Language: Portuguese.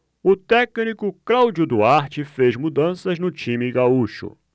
o técnico cláudio duarte fez mudanças no time gaúcho